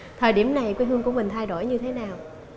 thời điểm này quê hương của mình thay đổi như thế nào